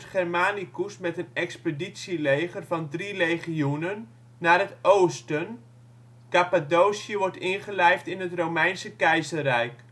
Germanicus met een expeditieleger (3 legioenen) naar het Oosten, Cappadocië wordt ingelijfd bij het Romeinse Keizerrijk